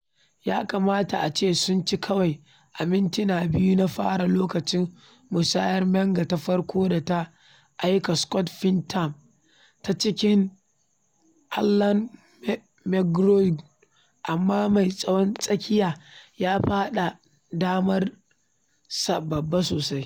Ya kamata a ce sun ci kawai a mintina biyu na farawa lokacin musayar Menga ta farko da ta aika Scott Pittman ta cikin cin Allan McGregor amma mai tsaron tsakiya ya faɗaɗa damarsa babba sosai.